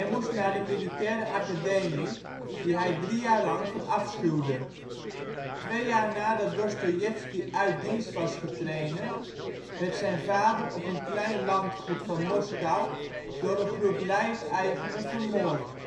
moest naar de militaire academie, die hij drie jaar lang verafschuwde. Twee jaar nadat Dostojevski uit dienst was getreden, werd zijn vader op een klein landgoed van Moskou door een groep lijfeigenen vermoord